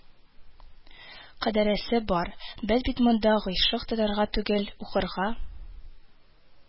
Кадәресе бар, без бит монда гыйшыйк тотарга түгел, укырга